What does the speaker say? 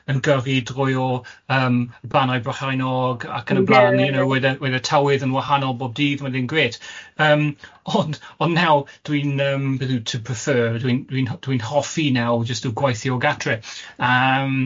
yn gyfu drwy o yym Banau Brychainog... Ie. ...ac yn y blaen you know oedd e oedd y tywydd yn wahanol bob dydd mae'n ddim grêt yym, ond ond naw dwi'n yym beth yw to prefer, dwi'n dwi'n hoffi naw jyst o gweithio o gartre yym.